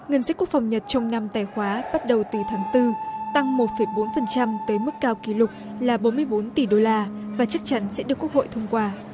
ngân sách quốc phòng nhật trong năm tài khóa bắt đầu từ tháng tư tăng một phẩy bốn phần trăm tới mức cao kỷ lục là bốn mươi bốn tỷ đô la và chắc chắn sẽ được quốc hội thông qua